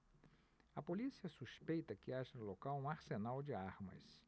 a polícia suspeita que haja no local um arsenal de armas